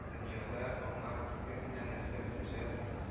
– дөньяда аңа ике генә нәрсә хаҗәт: